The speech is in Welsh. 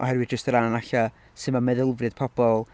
Oherwydd jyst o ran falla, sut ma' meddylfryd pobl...